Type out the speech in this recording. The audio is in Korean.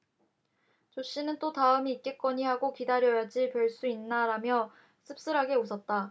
조씨는 또 다음이 있겠거니 하고 기다려야지 별 수 있나라며 씁쓸하게 웃었다